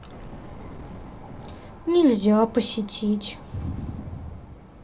нельзя посетить